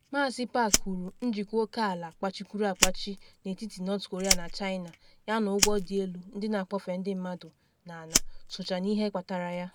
Maazị Park kwuru njikwa oke ala kpachikwuru akpachi n’etiti North Korea na China yana ụgwọ dị elu ndị na akpọfe ndị mmadụ na ana socha n’ihe ndị kpatara ya.